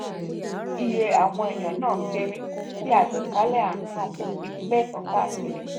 Iye àwọn èèyàn náà kéré tí àjàkálẹ̀-àrùn náà kò sì fi bẹ́ẹ̀ tàn káàkiri.